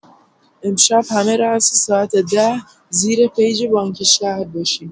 امشب همه راس ساعت ده، زیر پیج بانک شهر باشین